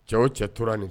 Cɛ wo cɛ tora nin